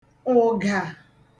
ụ̀gà